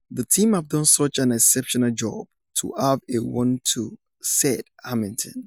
The team have done such an exceptional job to have a one two," said Hamilton.